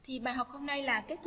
chị bài học hôm nay là kết